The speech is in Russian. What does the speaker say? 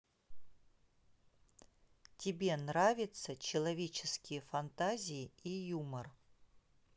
тебе нравится человеческие фантазии и юмор